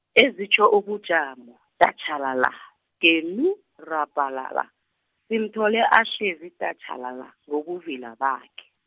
ezitjho ubujamo, datjhalala, genu, rabhalala, simthole ahlezi datjhalala, ngobuvila bakhe.